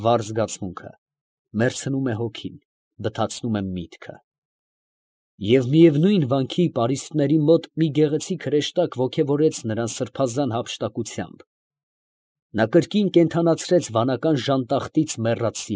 Վառ զգացմունքը, մեռցնում է հոգին, բթացնում է միտքը… Եվ միևնույն վանքի պարիսպների մոտ մի գեղեցիկ հրեշտակ ոգևորեց նրան սրբազան հափշտակությամբ. նա կրկին կենդանացրեց վանական ժանտախտից մեռած։